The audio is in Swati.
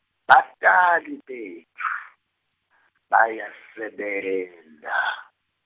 batali betfu, bayasebenta.